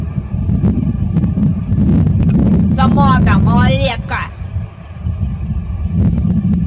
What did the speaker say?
самата малолетка